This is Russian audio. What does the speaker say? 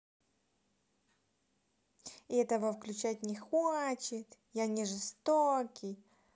этого включать не хочет я не жестокий